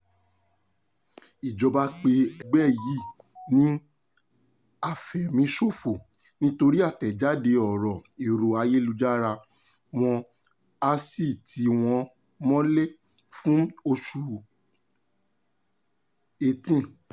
Ìjọba pe ẹgbẹ́ yìí ni "afẹ̀míṣòfò" nítorí àtẹ̀jáde orí ẹ̀rọ-ayélujára wọn a sì ti wọ́n mọ́lé fún oṣù 18.